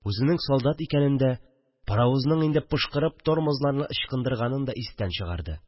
Үзенең солдат икәнен дә, паровозның инде пошкырып тормозларны ычкындырганын да истән чыгарды